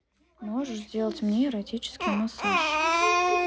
можешь сделать мне эротический массаж